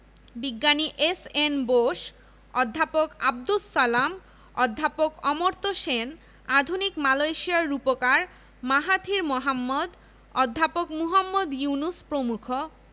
ড. মাহমুদ হাসান প্রমুখ এ বিশ্ববিদ্যালয়কে অগ্রগতির পথে এগিয়ে নিয়ে যান বিশ্ববিদ্যালয় প্রতিষ্ঠালগ্ন থেকে ১৯৫২ সাল পর্যন্ত